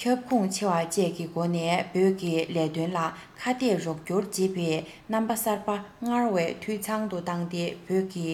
ཁྱབ ཁོངས ཆེ བ བཅས ཀྱི སྒོ ནས བོད ཀྱི ལས དོན ལ ཁ གཏད རོགས སྐྱོར བྱེད པའི རྣམ པ གསར པ སྔར བས འཐུས ཚང དུ བཏང སྟེ བོད ཀྱི